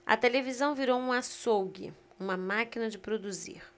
a televisão virou um açougue uma máquina de produzir